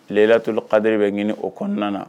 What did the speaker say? letulo kadiri bɛ ɲini o kɔnɔna na